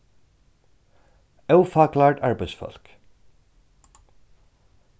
ófaklærd arbeiðsfólk